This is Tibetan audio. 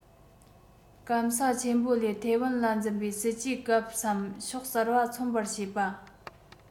སྐམ ས ཆེན པོ ལས ཐའེ ཝན ལ འཛིན པའི སྲིད ཇུས སྐབས བསམ ཕྱོགས གསར པ མཚོན པར བྱེད པ